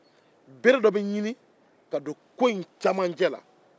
bere dɔ bɛ ɲini ka don kon cɛmancɛ la